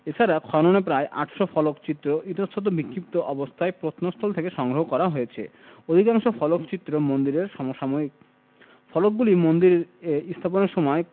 ছাড়া খননে প্রায় ৮০০ ফলকচিত্র ইতস্তত বিক্ষিপ্ত অবস্থায় প্রত্নস্থল থেকে সংগ্রহ করা হয়েছে অধিকাংশ ফলকচিত্র মন্দিরের সমসাময়িক ফলকগুলি মন্দিরে স্থাপনের সময়